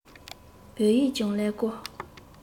བོད ཡིག ཀྱང ཀླད ཀོར